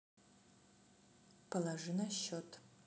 положи на счет